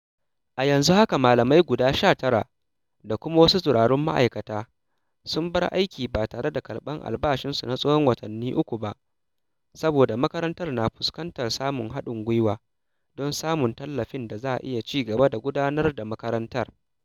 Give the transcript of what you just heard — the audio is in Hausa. A yanzu haka, malamai guda 19 da kuma wasu tsirarun ma'aikata sun bar aiki ba tare da karɓar albashinsu na tsawon watanni uku ba, saboda makarantar na fafutukar samun haɗin gwiwar don samun tallafin da za a cigaba da gudanar da makarantar.